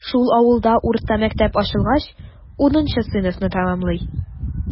Шул авылда урта мәктәп ачылгач, унынчы сыйныфны тәмамлый.